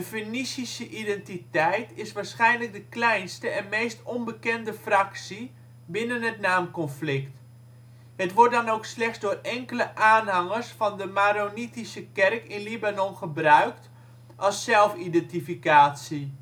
Fenicische identiteit is waarschijnlijk de kleinste en meest onbekende fractie binnen het naamconflict. Het wordt dan ook slechts door enkele aanhangers van de Maronitische Kerk in Libanon gebruikt als zelfidentificatie